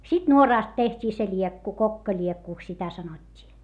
sitten nuorasta tehtiin se liekku kokkaliekuksi sitä sanottiin